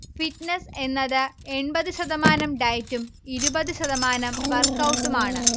fitness എന്നത് എൺപത് ശതമാനം ഡയറ്റും ഇരുപത് ശതമാനം വർക്കൗട്ടുമാണ്